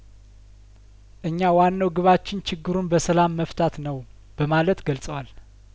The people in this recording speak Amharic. እኛ ዋናው ግባችን ችግሩን በሰላም መፍታት ነው በማለት ገልጸዋል